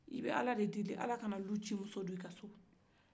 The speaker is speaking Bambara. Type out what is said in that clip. i bɛ ala de deli ala kana ducimuso don i ka so